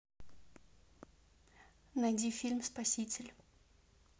найди фильм спаситель